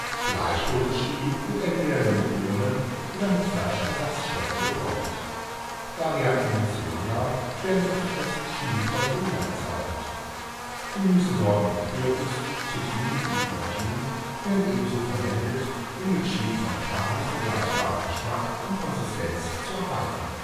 Fleischloses Chili wird entweder nur mit Bohnen oder mit Fleischersatzstoffen wie TVP (Texturized Vegetable Protein), Sojachunks oder Tofu gekocht. Varianten mit Soja werden oft als „ Chili con Soja “bezeichnet. Gemüsesorten wie Kürbis, Zucchini und Aubergine werden ebenso verwendet, um mit Chili con Carne vergleichbaren Geschmack und Konsistenz zu erhalten